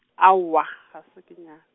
aowa, ga se ke nya-.